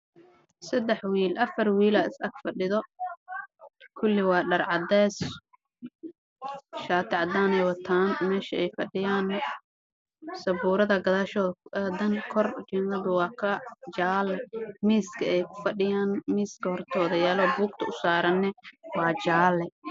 Waxaa halkaa fadhiyo dhowr arday sabuurad ayaa ka gadashay